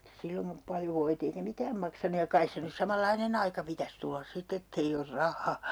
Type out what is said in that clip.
silloinkaan paljon voit eikä mikään maksanut ja kai se nyt samanlainen aika pitäisi tulla sitten että ei ole rahaa